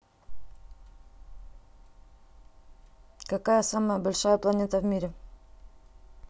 какая самая большая планета в мире